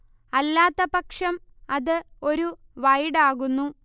അല്ലാത്തപക്ഷം അത് ഒരു വൈഡാകുന്നു